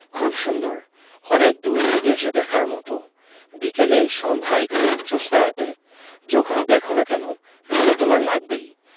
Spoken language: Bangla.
খুব সুন্দর অনেক দূর থেকে এসে দেখার মতো বিকেলে সন্ধায় কি জ্যোৎস্নারাতে যখনি দ্যাখো না কেন ভালো তোমার লাগবেই